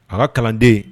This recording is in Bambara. A ka kalanden